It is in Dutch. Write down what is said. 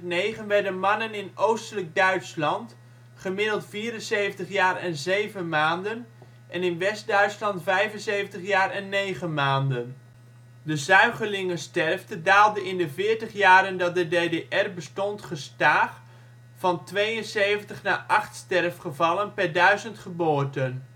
2009 werden mannen in Oostelijk Duitsland gemiddeld 74 jaar en 7 maanden en in West-Duitsland 75 jaar en 9 maanden. De zuigelingensterfte daalde in de veertig jaren dat de DDR bestond gestaag van 72 naar 8 sterfgevallen per 1000 geboorten